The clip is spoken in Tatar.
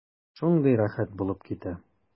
Шундый рәхәт булып китә.